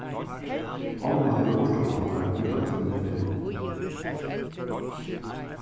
omma hevur urtapottar í øllum vindeygunum